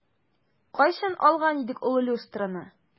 Кайчан алган идек ул люстраны?